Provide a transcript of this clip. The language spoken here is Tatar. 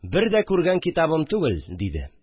Ер дә күргән китабым түгел», – диде